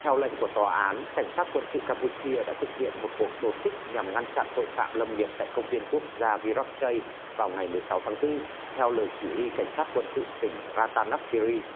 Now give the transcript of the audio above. theo lệnh của tòa án cảnh sát quân sự cam pu chia đã thực hiện một cuộc đột kích nhằm ngăn chặn tội phạm lâm nghiệp tại công viên quốc gia vi rắc chây vào ngày mười sáu tháng tư theo lời chỉ huy cảnh sát quân sự tỉnh ra ta nắc ki ri